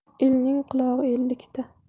elning qulog'i ellikta